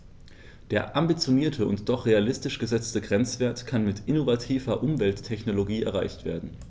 Der ambitionierte und doch realistisch gesetzte Grenzwert kann mit innovativer Umwelttechnologie erreicht werden.